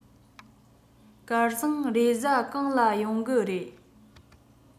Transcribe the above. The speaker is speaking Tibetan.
སྐལ བཟང རེས གཟའ གང ལ ཡོང གི རེད